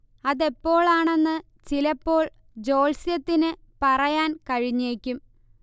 അതെപ്പോൾ ആണെന്ന് ചിലപ്പോൾ ജ്യോല്സ്യത്തിനു പറയാൻ കഴിഞ്ഞേക്കും